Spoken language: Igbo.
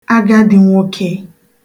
agadī nwokē